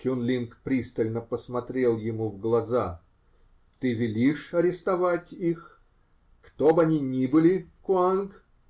Чун-Линг пристально смотрел ему в глаза. -- Ты велишь арестовать их? Кто б они ни были, Куанг?